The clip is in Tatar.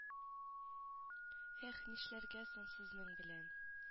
Эх нишләргә соң сезнең белән